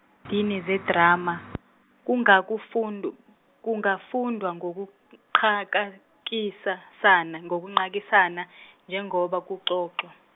dini zedrama, kungakufund- kungafundwa ngokuqha- ngokunqakisana njengoba kuxoxwa.